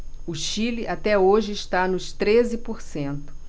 o chile até hoje está nos treze por cento